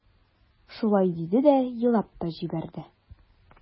Шулай диде дә елап та җибәрде.